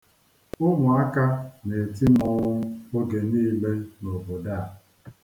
Ụmụaka na-eti mmọnwụ oge niile n'obodo a.